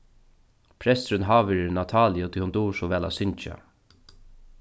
presturin hávirðir nataliu tí hon dugir so væl at syngja